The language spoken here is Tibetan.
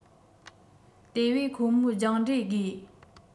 དེ བས ཁོ མོའི སྦྱངས འབྲས དགོས